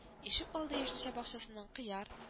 Ишек алды яшелчә бакчасыннан кыяр